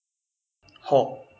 หก